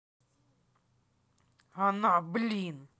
она блин